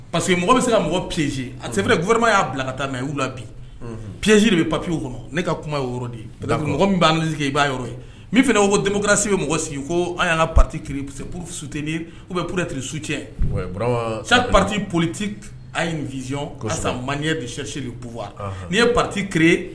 Pa que mɔgɔ bɛ se ka mɔgɔ pse a gma y'a bila ka taa' la bi psi de bɛ papiye kɔnɔ ne ka kuma mɔgɔ min b' sigi i b'a min fana denmisɛnkura se bɛ mɔgɔ sigi ko an y' ka suteni bɛ ptetiri suc sa pati politi azy san man ɲɛ bisi buwa n'i ye pati ke